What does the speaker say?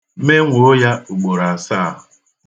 Menwoo ya ugboro ya asaa.